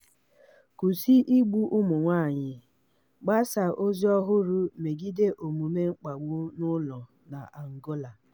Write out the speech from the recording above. Kwụsị igbu ụmụ nwaanyị' — mgbasa ozi ọhụrụ megide omume mkpagbu n'ụlọ na Angola